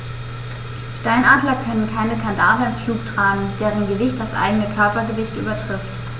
Steinadler können keine Kadaver im Flug tragen, deren Gewicht das eigene Körpergewicht übertrifft.